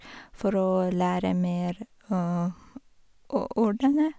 For å lære mer o ordene.